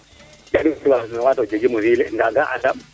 *